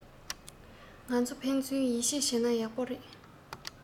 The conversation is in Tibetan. ང ཚོ ཕན ཚུན ཡིད ཆེད བྱེད ན ཡག པོ རེད